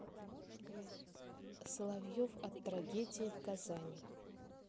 соловьев от трагедии в казани